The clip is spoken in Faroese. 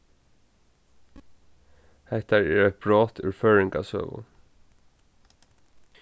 hetta er eitt brot úr føroyingasøgu